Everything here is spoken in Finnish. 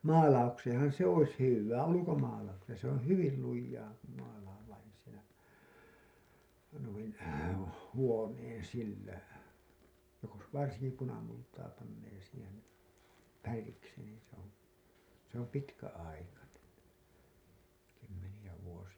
maalaukseenhan se olisi hyvää ulkomaalaukseen se oli hyvin lujaa kun maalaa vain sillä noin huoneen sillä jos varsinkin punamultaa panee siihen väriksi niin se on se on pitkäaikainen kymmeniä vuosia